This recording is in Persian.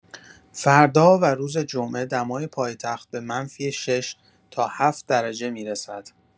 فردا و روز جمعه دمای پایتخت به منفی ۶ تا ۷ درجه می‌رسد.